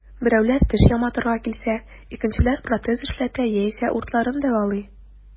Берәүләр теш яматырга килсә, икенчеләр протез эшләтә яисә уртларын дәвалый.